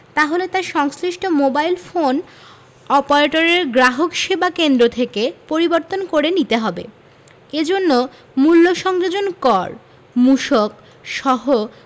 তাহলে তা সংশ্লিষ্ট মোবাইল ফোন অপারেটরের গ্রাহকসেবা কেন্দ্র থেকে পরিবর্তন করে নিতে হবে এ জন্য মূল্য সংযোজন কর মূসক সহ